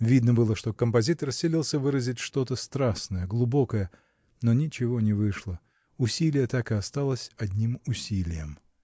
видно было, что композитор силился выразить что-то страстное, глубокое, но ничего не вышло: усилие так и осталось одним усилием.